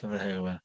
gyfer yr heulwen.